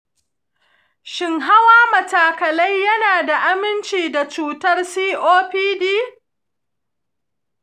shin hawa matakalai yana da aminci da cutar copd?